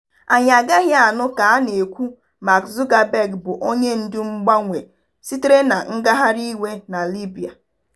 Anyị agaghị anụ ka ha na-ekwu: "Mark Zuckerberg bụ onye ndu mgbanwe sitere na ngaghari iwe na Libya"